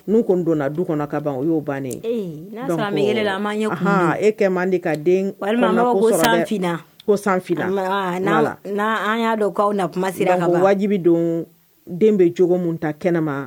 N'u koni donna du kɔnɔ ka ban o y'o bannen, ee n'a y'a sɔrɔ an bɛ yɛlɛ la, an b'an ɲɛn kumu d, anhan, e kɛ man di ka den kɔnɔnako sɔrɔ, walima an bɛ'a fɔ ko san b'a fɔ ko san finna, n'an y'a dɔn k'aw na kuma sera wajibi don den bɛ jogo min ta kɛnɛ ma